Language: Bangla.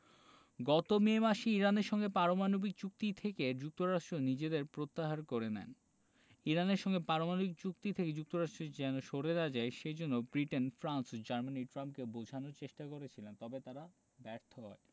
গত মে মাসে ইরানের সঙ্গে পারমাণবিক চুক্তি থেকে যুক্তরাষ্ট্র নিজেদের প্রত্যাহার করে নেন ইরানের সঙ্গে পরমাণু চুক্তি থেকে যুক্তরাষ্ট্র যাতে সরে না যায় সে জন্য ব্রিটেন ফ্রান্স ও জার্মানি ট্রাম্পকে বোঝানোর চেষ্টা করছিলেন তবে তারা ব্যর্থ হয়